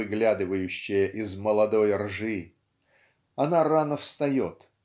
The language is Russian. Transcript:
выглядывающая из молодой ржи" она рано встает